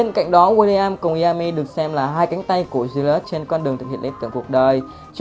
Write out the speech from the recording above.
bên cạnh đó wilian cùng yami được xem là cánh tay của julius trên con đường thực hiện lí tưởng cuộc đời